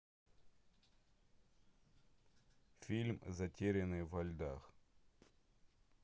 фильм затерянные во льдах